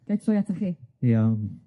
Gai troi atoch chi? Iawn.